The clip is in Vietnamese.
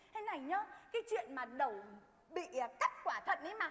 thế này nhá cái chuyện mà đẩu bị cắt quả thận ý mà